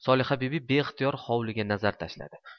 solihabibi beixtiyor hovliga nazar tashladi